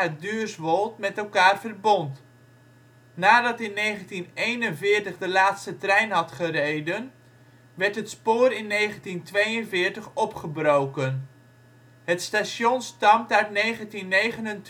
Duurswold met elkaar verbond. Nadat in 1941 de laatste trein had gereden, werd het spoor in 1942 opgebroken. Het station stamt uit 1929. De